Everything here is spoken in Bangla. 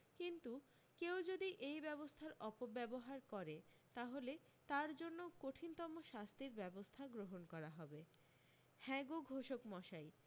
কিন্তু কেউ যদি এই ব্যবস্থার অপব্যবহার করে তাহলে তার জন্য কঠিনতম শাস্তির ব্যবস্থা করা হবে হ্যাঁ গো ঘোষকমশাই